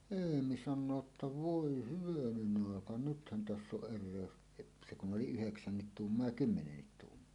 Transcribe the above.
Eemi sanoo että voi hyvänen aika nythän tässä on erehdys - se kun oli yhdeksän tuumaa ja kymmenen tuumaa